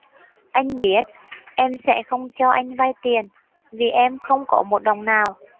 anh biết em sẽ không cho anh vay tiền vì em không có một đồng nào